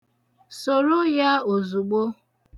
Soro ya ozugbo.